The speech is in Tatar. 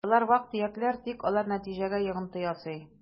Болар вак-төякләр, тик алар нәтиҗәгә йогынты ясый: